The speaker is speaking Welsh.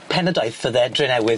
Pen y daith fydde Drenewydd.